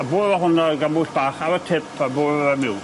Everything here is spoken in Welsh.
A bwrw hwnna gan bwyll bach ar y tip a bwra fe miwn.